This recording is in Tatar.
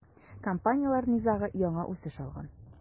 Компанияләр низагы яңа үсеш алган.